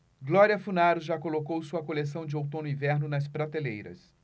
glória funaro já colocou sua coleção de outono-inverno nas prateleiras